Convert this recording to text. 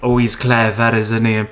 Ooh he's clever, isn't he?